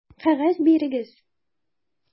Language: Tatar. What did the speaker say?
Кәгазь бирегез!